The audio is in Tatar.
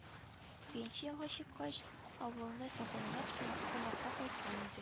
Пенсиягә чыккач авылны сагынып кунакка кайткан иде